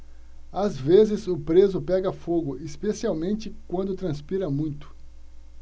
às vezes o preso pega fogo especialmente quando transpira muito